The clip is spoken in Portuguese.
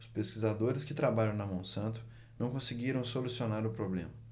os pesquisadores que trabalham na monsanto não conseguiram solucionar o problema